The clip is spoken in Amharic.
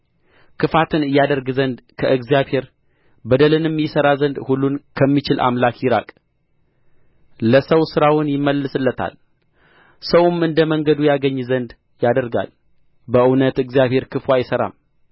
ክፋትን ያደርግ ዘንድ ከእግዚአብሔር በደልንም ይሠራ ዘንድ ሁሉን ከሚችል አምላክ ይራቅ ለሰው ሥራውን ይመልስለታል ሰውም እንደ መንገዱ ያገኝ ዘንድ ያደርጋል በእውነት እግዚአብሔር ክፉ አይሠራም